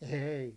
ei